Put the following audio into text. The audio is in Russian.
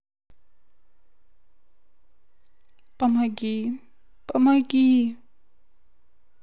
помоги помоги